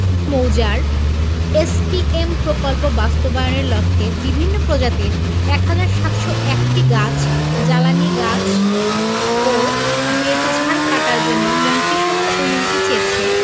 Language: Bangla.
মৌজার এসপিএম প্রকল্প বাস্তবায়নের লক্ষ্যে বিভিন্ন প্রজাতির ১ হাজার ৭০১টি গাছ জ্বালানি গাছ ও বেতঝাড় কাটার জন্য মন্ত্রিসভার অনুমতি চেয়েছে